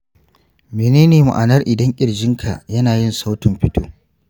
menene ma'anar idan ƙirjinka yana yin sautin fito